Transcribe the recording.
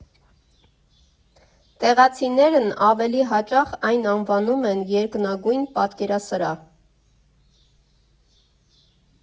Տեղացիներն ավելի հաճախ այն անվանում են Երկնագույն պատկերասրահ։